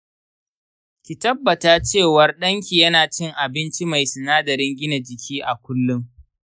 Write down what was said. ki tabbata cewa ɗan ki yana cin abinci mai sinadaran gina jiki a kullum.